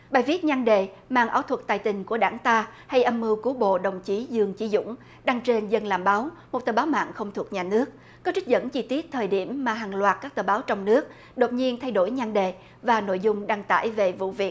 bài viết nhan đề màn ảo thuật tài tình của đảng ta hay âm mưu của bộ đồng chí dương chí dũng đăng trên dân làm báo một tờ báo mạng không thuộc nhà nước có trích dẫn chi tiết thời điểm mà hàng loạt các tờ báo trong nước đột nhiên thay đổi nhan đề và nội dung đăng tải về vụ việc